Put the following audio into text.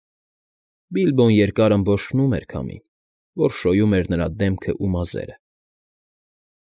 Բիլբոն երկար ըմբոշխնում էր քամին, որ շոյում էր նրա դեմքն ու մազերը։